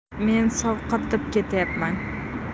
men sovqotib ketayapman